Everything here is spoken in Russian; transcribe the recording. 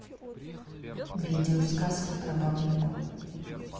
видео сказки про бабу ягу